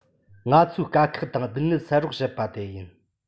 ཁོ ཚོའི དཀའ ཁག དང སྡུག བསྔལ སེལ རོགས བྱེད པ དེ ཡིན